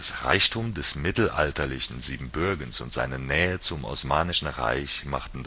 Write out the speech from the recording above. Reichtum des mittelalterlichen Siebenbürgens und seine Nähe zum Osmanischen Reich machten